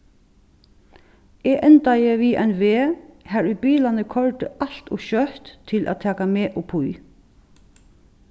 eg endaði við ein veg har ið bilarnir koyrdu alt ov skjótt til at taka meg uppí